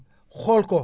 xool ko